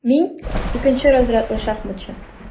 Мин - икенче разрядлы шахматчы.